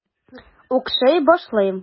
Укшый башлыйм.